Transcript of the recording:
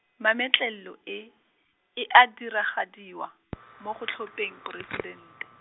mametlelelo e, e a diragadiwa, mo go tlhopheng poresidente.